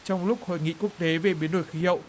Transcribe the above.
trong lúc hội nghị quốc tế về biến đổi khí hậu